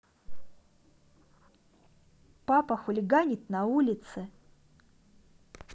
папа хулиганит на улице